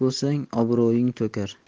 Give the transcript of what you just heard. bo'lsang obro'ying to'kar